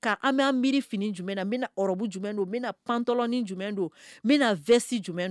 Ka an bɛan miri fini jumɛn na bɛna naɔrɔbu jumɛn don n bɛna na pantɔin jumɛn don n bɛna vsi jumɛn don